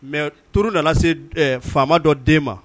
Mɛ to nana se faama dɔ den ma